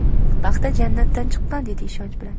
paxta jannatdan chiqqan dedi ishonch bilan